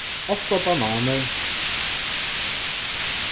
átta bananir